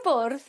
bwrdd